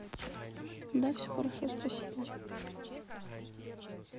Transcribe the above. да все хорошо спасибо